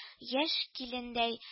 Яшь килендәй